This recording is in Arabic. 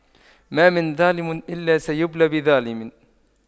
ما من ظالم إلا سيبلى بظالم